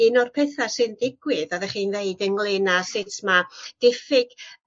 un o'r petha sy'n digwydd oddech chi'n ddeud ynglŷn â sut ma' diffyg